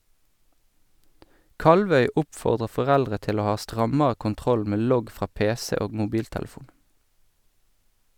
Kalvøy oppfordrer foreldre til å ha strammere kontroll med logg fra pc og mobiltelefon.